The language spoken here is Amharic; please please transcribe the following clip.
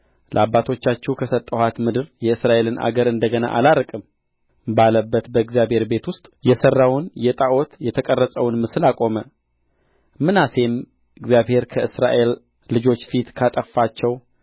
ለአባቶቻችሁ ከሰጠኋት ምድር የእስራኤልን እግር እንደ ገና አላርቅም ባለበት በእግዚአብሔር ቤት ውስጥ የሠራውን የጣዖት የተቀረጸውን ምስል አቆመ ምናሴም እግዚአብሔር ከእስራኤል ልጆች ፊት ካጠፋቸው